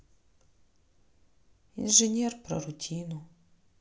инженер про рутину